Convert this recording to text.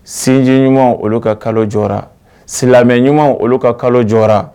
Sinji ɲuman olu ka kalo jɔ silamɛ ɲuman olu ka kalo jɔ